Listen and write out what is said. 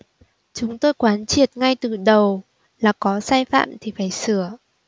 chúng tôi quán triệt ngay từ đầu là có sai phạm thì phải sửa